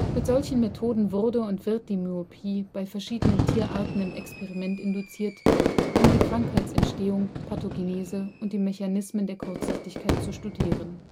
Mit solchen Methoden wurde und wird die Myopie bei verschiedenen Tierarten im Experiment induziert, um die Krankheitsentstehung (Pathogenese) und die Mechanismen der Kurzsichtigkeit zu studieren